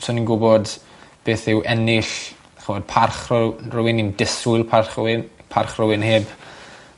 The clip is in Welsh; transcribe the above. so ni'n gwbod beth yw ennill ch'mod parch rhow- rhywun ni'n disgwyl parch rhywun parch rhywun heb